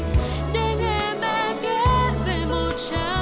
để ngày